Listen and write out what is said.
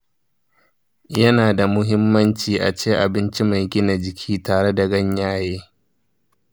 yana da muhimmanci ace abinci mai gina jiki tare da ganyaye.